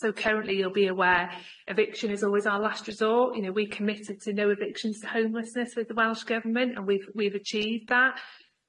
So currently you'll be aware eviction is always our last resort you know we committed to no evictions to homelessness with the Welsh Government and we've we've achieved that,